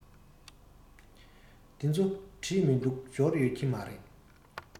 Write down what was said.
དེ ཚོ བྲིས མི འདུག འབྱོར ཡོད ཀྱི མ རེད